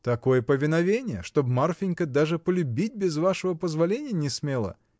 — Такое повиновение: чтоб Марфинька даже полюбить без вашего позволения не смела?